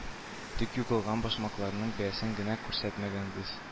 Тик югалган башмакларның бәясен генә күрсәтмәгәнсез